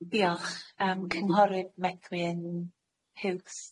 Diolch, yym cynghorydd Medwyn Huws.